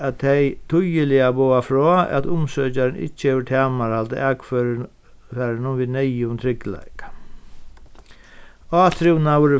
at tey týðiliga boða frá at umsøkjarin ikki hevur tamarhald við neyðugum tryggleika átrúnaður í